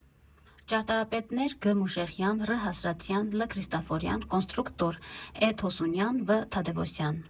Ճարտարապետներ՝ Գ. Մուշեղյան Ռ. Հասրաթյան Լ. Քրիստաֆորյան, կոնստրուկտոր՝ Է. Թոսունյան Վ. Թադևոսյան։